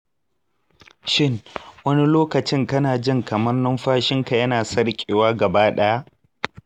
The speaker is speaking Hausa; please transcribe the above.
shin wani lokacin kana jin kamar numfashinka yana sarƙewa gaba ɗaya?